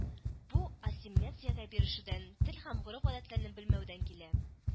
Бу - ассимиляциягә бирешүдән, тел һәм гореф-гадәтләрне белмәүдән килә